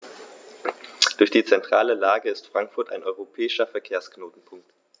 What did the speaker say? Durch die zentrale Lage ist Frankfurt ein europäischer Verkehrsknotenpunkt.